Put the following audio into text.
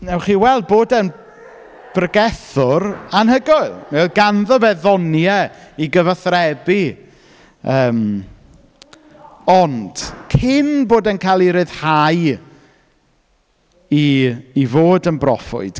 Wnewch chi weld bod e'n bregethwr anhygoel. Mi oedd ganddo fe ddoniau i gyfathrebu. Yym… Ond, cyn bod e’n cael ei ryddhau i i fod yn broffwyd...